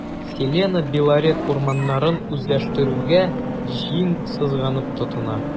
“селена” белорет урманнарын үзләштерүгә җиң сызганып тотына.